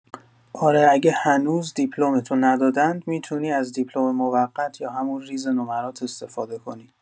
اره اگه هنوز دیپلمتو ندادند می‌تونی از دیپلم موقت یا همون ریزنمرات استفاده کنی